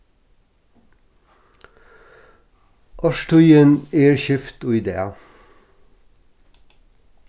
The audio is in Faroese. árstíðin er skift í dag